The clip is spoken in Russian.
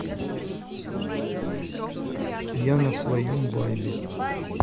я на своем вайбе